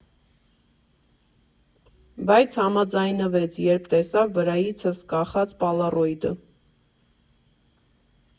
Բայց համաձայնվեց, երբ տեսավ վրայիցս կախած պալառոիդը։